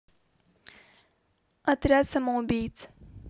отряд самоубийц